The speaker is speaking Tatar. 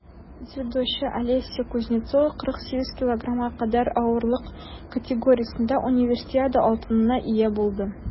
Дзюдочы Алеся Кузнецова 48 кг кадәр авырлык категориясендә Универсиада алтынына ия булды.